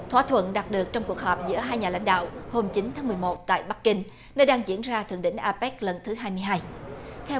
thỏa thuận đạt được trong cuộc họp giữa hai nhà lãnh đạo hôm chín tháng mười một tại bắc kinh nơi đang diễn ra thượng đỉnh a pếch lần thứ hai mươi hai theo